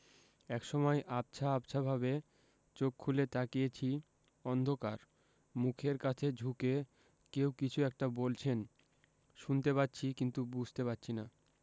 একসময় আবছা আবছাভাবে চোখ খুলে তাকিয়েছি অন্ধকার মুখের কাছে ঝুঁকে কেউ কিছু একটা বলছেন শুনতে পাচ্ছি কিন্তু বুঝতে পারছি না